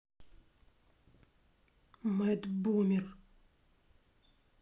мэтт бомер